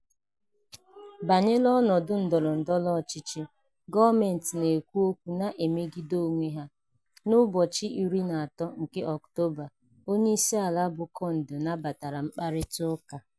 Banyere ọnọdụ ndọrọ ndọrọ ọchịchị, gọọmentị na-ekwu okwu na-emegide onwe ha: N'ụbọchị 13 nke Ọktoba, Onyeisi ala bụ Condé nabatara mkparịta ụka: